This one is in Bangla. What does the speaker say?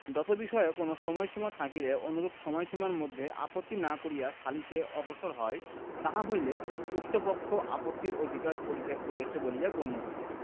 দতবিষয়ে কোন সময়সীমা থাকিলে অনুরূপ সময়সীমার মধ্যে আপত্তি না করিয়া সালিসে অগ্রসর হয় তাহা হইলে উক্ত পক্ষ আপত্তির অধিকার পরিত্যাগ করিয়াছে বলিয়া গণ্য হইবে